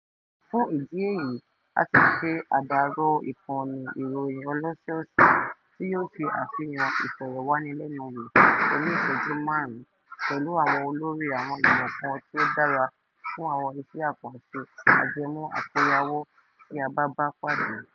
Fún ìdí èyí á ti ṣe àdàrọ ìkànnì ìròyìn ọlọ́sẹ̀ọ̀sẹ̀ tí yóò ṣe àfihàn ìfọ̀rọ̀wánilẹ́nuwò oní ìṣẹ́jú márùn-ún pẹ̀lú àwọn olórí àwọn ìmọ̀ kan tí ó dára fún àwọn iṣẹ́ àkànṣe ajẹmọ́ àkóyawọ́ tí a bá bá pàdé.